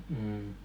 mm